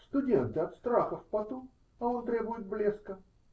-- Студенты от страха в поту, а он требует блеска.